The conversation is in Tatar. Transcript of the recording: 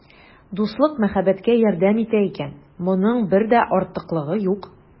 Дуслык мәхәббәткә ярдәм итә икән, моның бер дә артыклыгы юк.